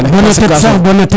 bona tet sax bona tet